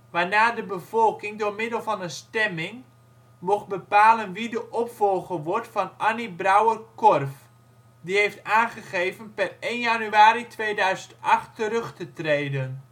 waarna de bevolking door middel van een stemming mocht bepalen wie de opvolger wordt van Annie Brouwer-Korf, die heeft aangegeven per 1 januari 2008 terug te treden